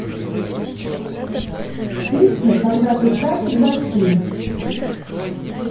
песня когда ты станешь большим